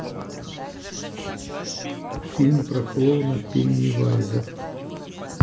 фильм про клоуна пеннивайза